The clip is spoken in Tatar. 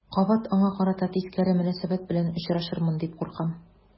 Кабат аңа карата тискәре мөнәсәбәт белән очрашырмын дип куркам.